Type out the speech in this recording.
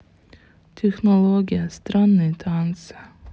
технология странные танцы